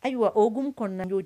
Ayiwa o hukumu kɔnɔna